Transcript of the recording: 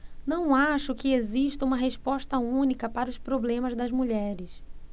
não acho que exista uma resposta única para os problemas das mulheres